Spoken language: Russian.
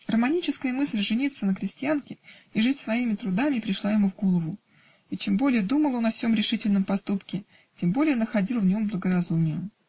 романическая мысль жениться на крестьянке и жить своими трудами пришла ему в голову, и чем более думал он о сем решительном поступке, тем более находил в нем благоразумия.